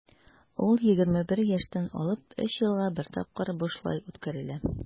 Ул 21 яшьтән алып 3 елга бер тапкыр бушлай үткәрелә.